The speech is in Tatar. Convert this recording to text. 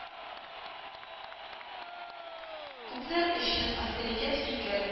Күпләр өчен авторитет фикер